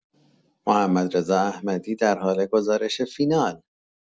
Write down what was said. محمدرضا احمدی در حال گزارش فینال